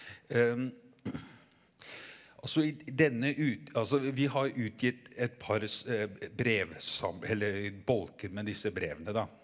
altså i denne altså vi har utgitt et par eller bolker med disse brevene da.